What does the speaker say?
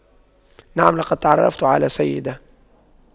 نعم لقد تعرفت على سيدة